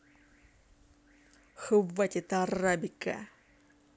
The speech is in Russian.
хватит арабика